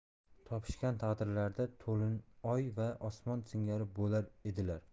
topishgan taqdirlarida to'lin oy va osmon singari bo'lar edilar